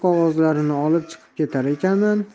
qog'ozlarni olib chiqib ketarkanman